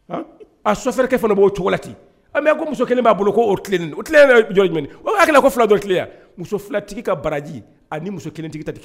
An, aa chauffeur kɛ fana b'o cogo la ten, aa mais a ko muso kelen b'a bolo ko o tilen don, o tilen na yɔrɔ jumɛn don? Olu hakili k'o 2 bɛɛ bɛ tile wa, muso filatigi ka baraji ani ni muso kelentigi ta tɛ